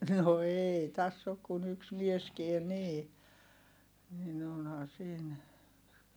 no ei tässä ole kuin yksi mieskään niin niin onhan siinä